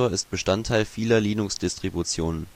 ist Bestandteil vieler Linux-Distributionen